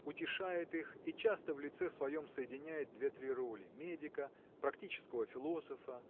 утешает их и часто в лице своем соединяет две-три роли медика практического философа